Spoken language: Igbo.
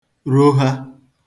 roha